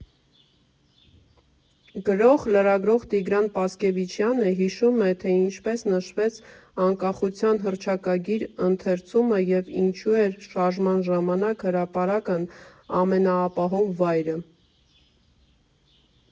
Գրող, լրագրող Տիգրան Պասկևիչյանը հիշում է, թե ինչպես նշվեց Անկախության հռչակագրի ընթերցումը և ինչու էր Շարժման ժամանակ հրապարակն ամենաապահով վայրը։